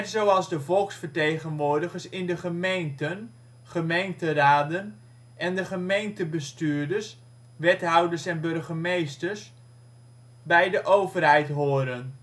zoals de volksvertegenwoordigers in de gemeenten (gemeenteraden) en de gemeentebestuurders (wethouders en burgemeester) bij de overheid horen